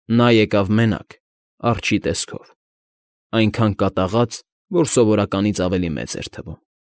Նա եկավ մենակ, արջի տեսքով, այնքան կատաղած, որ սովորականից ավելի մեծ էր թվում։